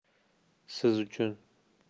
siz uchun